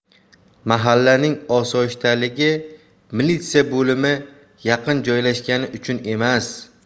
mahallaning osoyishtaligi militsiya bo'limi yaqin joylashgani uchun emas